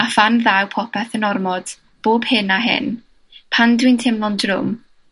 a phan ddaw popeth yn ormod, bob hyn a hyn, pan dwi'n teimlo'n drwm,